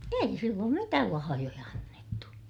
ei silloin mitään lahjoja annettu